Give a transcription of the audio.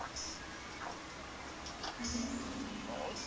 а я сильно